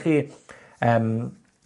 chi yym,